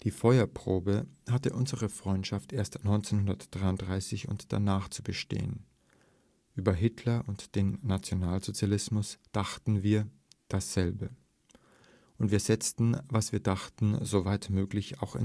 Feuerprobe hatte unsere Freundschaft erst 1933 und danach zu bestehen. Über Hitler und den Nationalsozialismus dachten wir … dasselbe. Und wir setzten, was wir dachten, soweit möglich auch